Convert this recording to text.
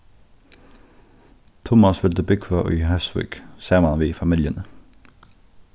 tummas vildi búgva í hósvík saman við familjuni